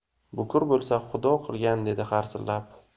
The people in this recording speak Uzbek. bukur bo'lsa xudo qilgan dedi harsillab